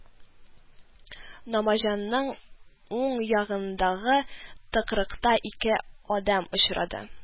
Намаҗанның уң ягындагы тыкрыкта ике адәм очрады